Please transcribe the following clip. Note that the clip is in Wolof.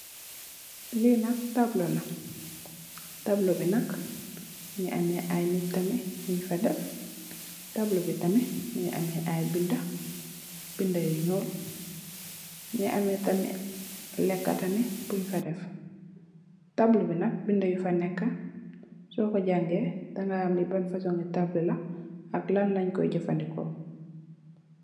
Li nak tableu la tableu bi nak mingi am aytableu bi tamit mingi ameh ayy binda binda yu njool mingi ameh tamit ayy leka bunj fa def